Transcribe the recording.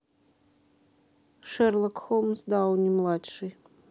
шерлок холмс дауни младший